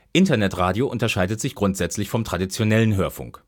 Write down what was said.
Internetradio unterscheidet sich grundsätzlich vom traditionellen Hörfunk